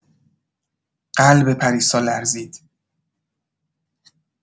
قلب پریسا لرزید.